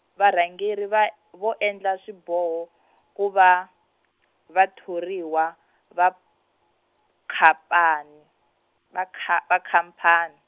varhangeri va vo endla swiboho kuva , vathoriwa, va, khaphani-, va kha- khamphani.